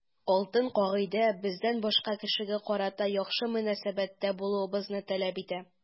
Алтын кагыйдә бездән башка кешегә карата яхшы мөнәсәбәттә булуыбызны таләп итә.